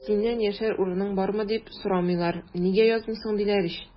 Синнән яшәр урының бармы, дип сорамыйлар, нигә язмыйсың, диләр ич!